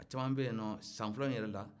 a caman yɛrɛ bɛ yen no san fɔlɔ in yɛrɛ la